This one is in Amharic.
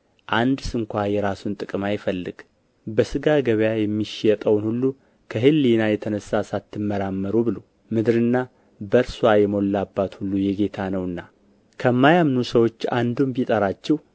አንድ ስንኳ የራሱን ጥቅም አይፈልግ በሥጋ ገበያ የሚሸጠውን ሁሉ ከሕሊና የተነሣ ሳትመራመሩ ብሉ ምድርና በእርስዋ የሞላባት ሁሉ የጌታ ነውና ከማያምኑ ሰዎች አንዱም ቢጠራችሁ